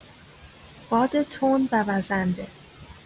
باد تند و وزنده